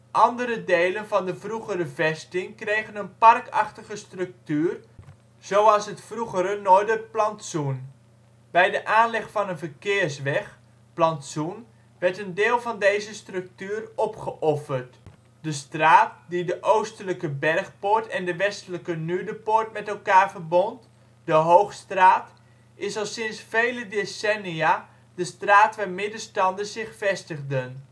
Andere delen van de vroegere vesting kregen een parkachtige structuur, zoals het vroegere Noorderplantsoen. Bij de aanleg van een verkeersweg (Plantsoen) werd een deel van deze structuur opgeofferd. De straat die de oostelijke Bergpoort en de westelijke Nudepoort met elkaar verbond, de Hoogstraat, is al sinds vele decennia de straat waar middenstanders zich vestigden